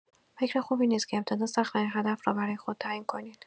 فکر خوبی نیست که ابتدا سخت‌ترین هدف را برای خود تعیین کنید.